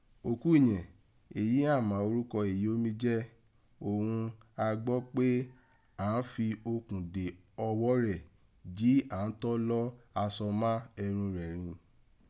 Okú yẹ̀n, eyí án àn mà orúkọ èyí ó mí jẹ́, òghun a gbọ pe àn án fi okùn dè ọwọ rẹ̀ ji àn án tọ́n lọ́ asọ ma ẹrun rẹ̀ rin.